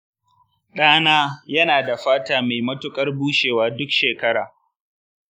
ɗana yana da fata mai matuƙar bushewa duk shekara.